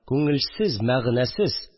Күңелсез, мәгънәсез